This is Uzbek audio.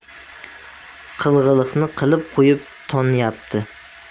qilg'iliqni qilib qo'yib tonyapti